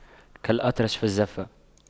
كالأطرش في الزَّفَّة